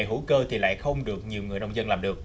hữu cơ thì lại không được nhiều người nông dân làm được